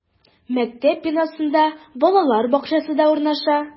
Мәктәп бинасында балалар бакчасы да урнаша.